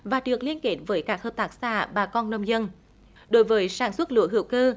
và được liên kết với các hợp tác xã bà con nông dân đối với sản xuất lúa hữu cơ